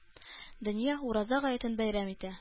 Дөнья Ураза гаетен бәйрәм итә